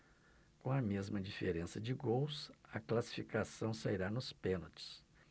com a mesma diferença de gols a classificação sairá nos pênaltis